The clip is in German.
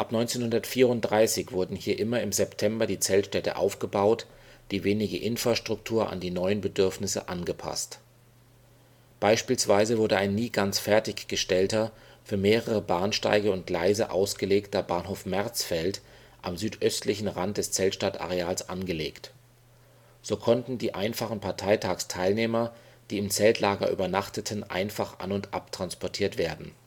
1934 wurden hier immer im September die Zeltstädte aufgebaut, die wenige Infrastruktur an die neuen Bedürfnisse angepasst. Beispielsweise wurde ein nie ganz fertig gestellter, für mehrere Bahnsteige und Gleise ausgelegter, Bahnhof Märzfeld am südöstlichen Rand des Zeltstadtareals angelegt. So konnten die einfachen Parteitagsteilnehmer, die im Zeltlager übernachteten, einfach an - und abtransportiert werden